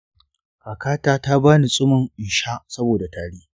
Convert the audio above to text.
kakata ta ba ni tsumin in sha saboda tari.